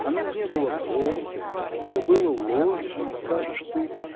Оно не было полно, оно было ложно, скажешь ты